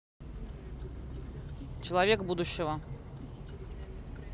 человек будущего